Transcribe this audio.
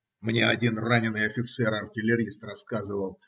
- Мне один раненый офицер-артиллерист рассказывал.